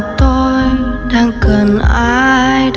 trong lòng tôi đang cần ai